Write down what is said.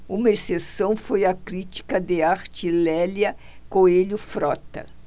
uma exceção foi a crítica de arte lélia coelho frota